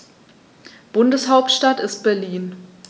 Bundeshauptstadt ist Berlin.